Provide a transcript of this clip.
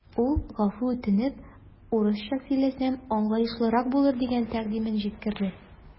Ул гафу үтенеп, урысча сөйләсәм, аңлаешлырак булыр дигән тәкъдимен җиткерде.